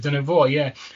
Dyna fo, ie.